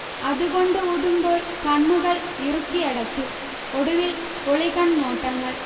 അതുകൊണ്ട് ഊതുമ്പോൾ കണ്ണുകൾ ഇറുക്കിയടച്ചു, ഒടുവിൽ ഒളികൺനോട്ടങ്ങൾ